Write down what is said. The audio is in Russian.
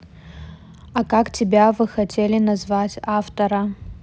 а как тебя вы хотели назвать автора